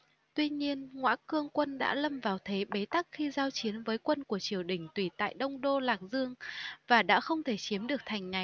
tuy nhiên ngõa cương quân đã lâm vào thế bế tắc khi giao chiến với quân của triều đình tùy tại đông đô lạc dương và đã không thể chiếm được thành này